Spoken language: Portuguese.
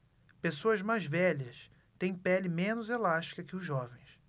pessoas mais velhas têm pele menos elástica que os jovens